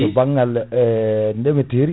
to banggal ndeemateri